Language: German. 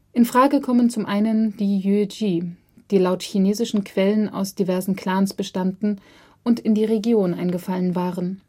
In Frage kommen zum einen die Yuezhi, die laut chinesischen Quellen aus diversen Clans bestanden und in die Region eingefallen waren